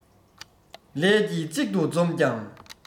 ལས ཀྱིས གཅིག ཏུ འཛོམས ཀྱང